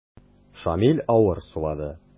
Шамил авыр сулады.